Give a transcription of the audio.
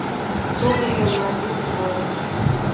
кто выбрал наргиз в голосе